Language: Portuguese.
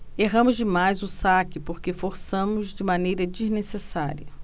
erramos demais o saque porque forçamos de maneira desnecessária